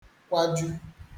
kwàju